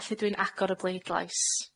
Felly dwi'n agor y bleidlais.